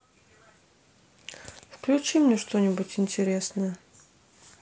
включи мне что нибудь интересное